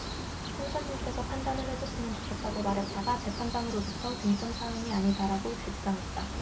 판사님께서 판단을 해줬으면 좋겠다고 말했다가 재판장으로부터 쟁점 사항이 아니다라고 제지당했다